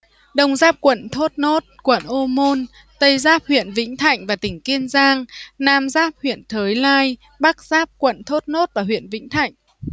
đông giáp quận thốt nốt quận ô môn tây giáp huyện vĩnh thạnh và tỉnh kiên giang nam giáp huyện thới lai bắc giáp quận thốt nốt và huyện vĩnh thạnh